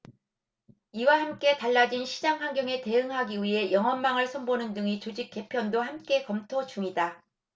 이와 함께 달라진 시장환경에 대응하기 위해 영업망을 손보는 등의 조직 개편도 함께 검토 중이다